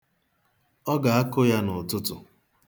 Ọ ga-akụ ha n'ụtụtụ.